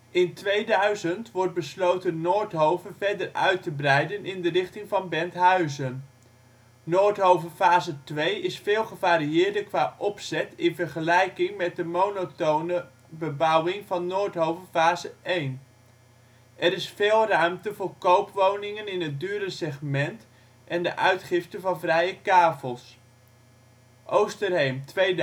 In 2000 wordt besloten Noordhove verder uit te breiden in de richting van Benthuizen. Noordhove fase twee is veel gevarieerder qua opzet in vergelijking met de monotone bebouwing van Noordhove fase één. Er is veel ruimte voor koopwoningen in het duurdere segment en de uitgifte van vrije kavels. Oosterheem (2000